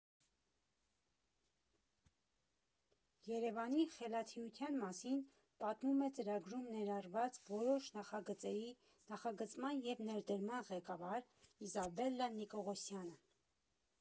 Երևանի խելացիության մասին պատմում է ծրագրում ներառված որոշ նախագծերի նախագծման և ներդրման ղեկավար Իզաբելլա Նիկողոսյանը։